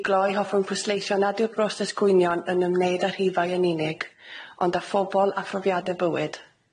I gloi hoffwn pwysleithio nad yw'r broses cwynion yn ymwneud â rhifau yn unig, ond a phobol a phrofiade bywyd.